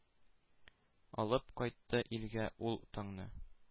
Алып кайтты илгә ул таңны,